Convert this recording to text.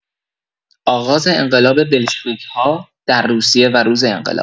آغاز انقلاب بلشویک‌ها در روسیه و روز انقلاب